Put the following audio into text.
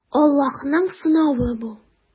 Аллаһның сынавы бу.